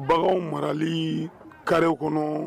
Bagan marali karire kɔnɔ